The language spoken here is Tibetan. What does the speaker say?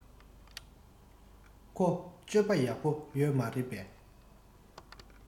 ཁོ སྤྱོད པ ཡག པོ ཡོད མ རེད པས